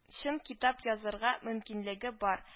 Чын китап язырга мөмкинлеге бар